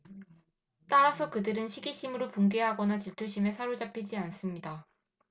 따라서 그들은 시기심으로 분개하거나 질투심에 사로잡히지 않습니다